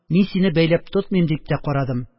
Мин сине бәйләп тотмыйм», – дип тә карадым